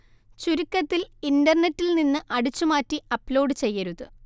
ചുരുക്കത്തില്‍ ഇന്റര്‍നെറ്റില്‍ നിന്ന് അടിച്ചു മാറ്റി അപ്‌ലോഡ് ചെയ്യരുത്